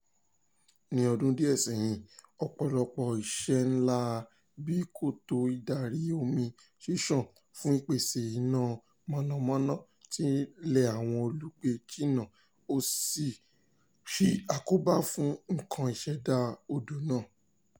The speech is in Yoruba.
Ní ọdún díẹ̀ sẹ́yìn, ọ̀pọ̀lọpọ̀ iṣẹ́ ńláǹlà bíi kòtò ìdarí-omi ṣíṣàn fún Ìpèsè Iná Mànàmáná ti lé àwọn olùgbé jìnà ó sì ń ṣe àkóbá fún nnkan ìṣẹ̀dá odò náà.